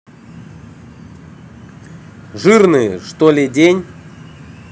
жирные что ли день